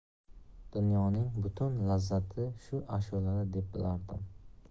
dunyoning butun lazzati shu ashulada deb bilardim